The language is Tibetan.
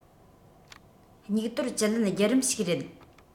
སྙིགས དོར བཅུད ལེན བརྒྱུད རིམ ཞིག རེད